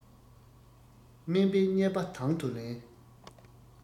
དམན པའི བརྙས པ དང དུ ལེན